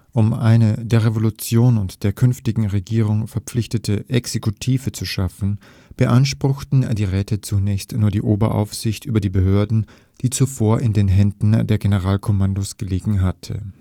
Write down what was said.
Um eine der Revolution und der künftigen Regierung verpflichtete Exekutive zu schaffen, beanspruchten die Räte zunächst nur die Oberaufsicht über die Behörden, die zuvor in den Händen der Generalkommandos gelegen hatte